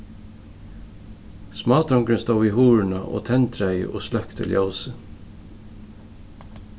smádrongurin stóð við hurðina og tendraði og sløkti ljósið